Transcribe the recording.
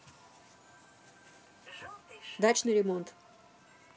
дачный ремонт